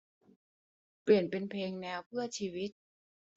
เปลี่ยนเป็นเพลงแนวเพื่อชีวิต